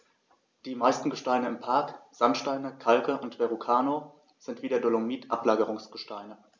Die meisten Gesteine im Park – Sandsteine, Kalke und Verrucano – sind wie der Dolomit Ablagerungsgesteine.